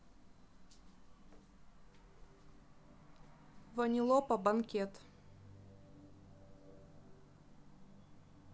ванилопа банкет